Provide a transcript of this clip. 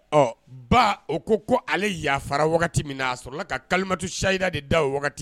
Ɔ ba o ko ko ale yafara wagati min na a sɔrɔ ka kalimatu sayi de da o wagati